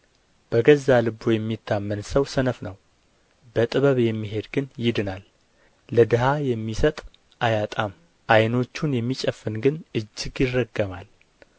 በገዛ ልቡ የሚታመን ሰው ሰነፍ ነው በጥበብ የሚሄድ ግን ይድናል ለድሀ የሚሰጥ አያጣም ዓይኖቹን የሚጨፍን ግን እጅግ ይረገማል